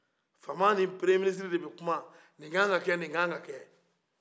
fama ni masakankɔrɔsigi de bɛ kuma ni kaga ka kɛ ni kaga kɛ